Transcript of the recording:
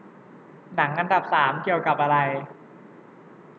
หนังอันดับสามเกี่ยวกับอะไร